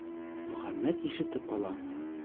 Мөхәммәт ишетеп ала.